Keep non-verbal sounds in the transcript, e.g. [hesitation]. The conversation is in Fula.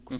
[hesitation] [hesitation]